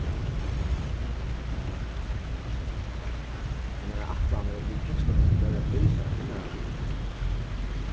hennara ætlanir við tekstunum vóru at lýsa eitt innara lív